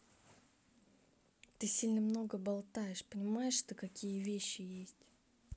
ты сильно много болтаешь понимаешь ты какие вещи есть